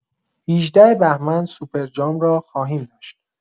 ۱۸ بهمن سوپرجام را خواهیم داشت.